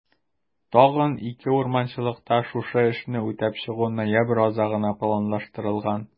Тагын 2 урманчылыкта шушы эшне үтәп чыгу ноябрь азагына планлаштырылган.